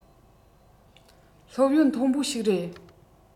སློབ ཡོན མཐོན པོ ཞིག རེད